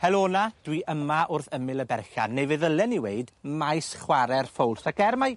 Helo 'na dwi yma wrth ymyl y berchan neu fe ddylen i weud maes chwar'e'r ffowls ac er mai